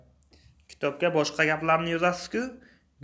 kitobda boshqa gaplarni yozasiz ku